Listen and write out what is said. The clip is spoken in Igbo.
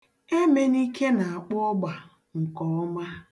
Emenike na-akpọ ụgba nke ọma.